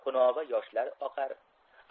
xunoba yoshlar qolar